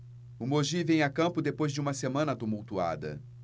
o mogi vem a campo depois de uma semana tumultuada